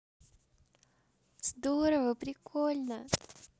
здорово прикольно